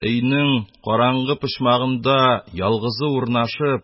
Өйнең караңгы почмагында ялгызы урнашып,